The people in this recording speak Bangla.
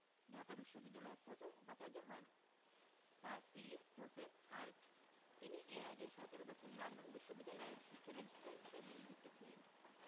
ঢাকা বিশ্ববিদ্যালয়ের প্রথম উপাচার্য হন স্যার ফিলিপ জোসেফ হার্টগ তিনি এর আগে ১৭ বছর লন্ডন বিশ্ববিদ্যালয়ের শিক্ষা রেজিস্ট্রার হিসেবে নিযুক্ত ছিলেন